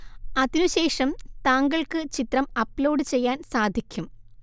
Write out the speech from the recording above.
അതിനുശേഷം താങ്കള്‍ക്ക് ചിത്രം അപ്‌ലോഡ് ചെയ്യാന്‍ സാധിക്കും